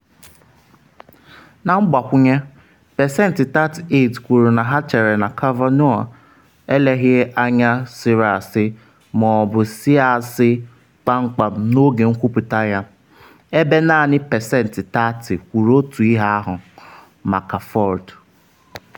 Na mgbakwunye, pesentị 38 kwuru na ha chere na Kavanaugh eleghị anya sịrị asị ma ọ bụ sịa asị kpamkpam n’oge nkwuputa ya, ebe naanị pesentị 30 kwuru otu ihe ahụ maka Ford.